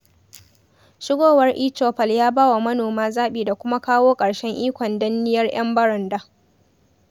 Shigowar eChoupal ya ba wa manoma zaɓi da kuma kawo ƙarshen ikon danniyar 'yan baranda.